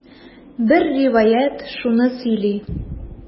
Бер риваять шуны сөйли.